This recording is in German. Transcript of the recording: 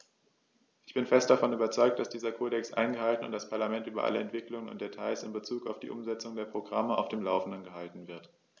Ich bin fest davon überzeugt, dass dieser Kodex eingehalten und das Parlament über alle Entwicklungen und Details in bezug auf die Umsetzung der Programme auf dem laufenden gehalten wird.